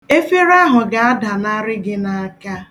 Efere ahụ ga-adanarị gị n'aka.